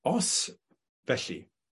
Os felly,